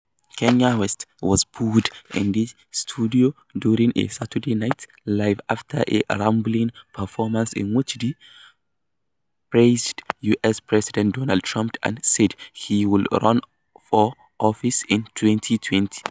Kanye West was booed in the studio during a Saturday Night Live after a rambling performance in which he praised U.S. President Donald Trump and said he would run for office in 2020.